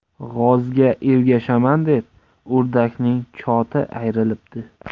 g'ozga ergashaman deb o'rdakning choti ayrilibdi